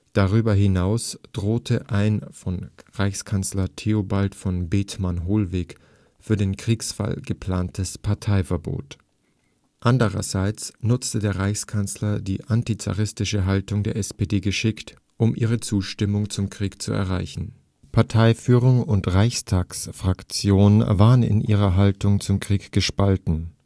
Darüber hinaus drohte ein von Reichskanzler Theobald von Bethmann Hollweg für den Kriegsfall geplantes Parteiverbot. Andererseits nutzte der Reichskanzler die antizaristische Haltung der SPD geschickt, um ihre Zustimmung zum Krieg zu erreichen. Karl Liebknecht verweigerte als erster SPD-Abgeordneter die Bewilligung der Kriegskredite Parteiführung und Reichstagsfraktion waren in ihrer Haltung zum Krieg gespalten